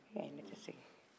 ko ayi ne tɛ segin